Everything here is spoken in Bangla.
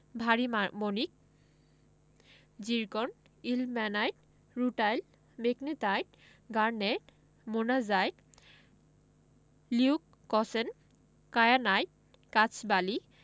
ভারি মণিক zircon ilmenite rutile magnetite garnet monazite leucoxene kyanite কাঁচবালি